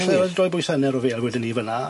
O'n wir? Doi bwys a anner o fêl wedwn i fyn 'na.